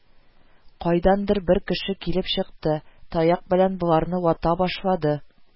Кайдандыр бер кеше килеп чыкты, таяк белән боларны вата башлады